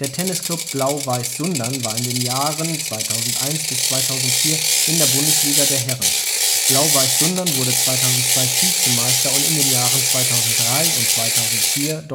Tennisclub Blau-Weiß Sundern war in den Jahren 2001 bis 2004 in der Bundesliga der Herren. Blau-Weiß Sundern wurde 2002 Vizemeister und in den Jahren 2003 und 2004